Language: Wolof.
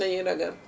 dañuy ragal